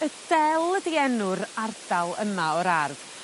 Y Sel ydi enw'r ardal yma o'r ardd.